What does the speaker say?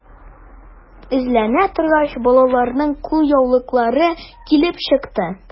Эзләнә торгач, балаларның кулъяулыклары килеп чыкты.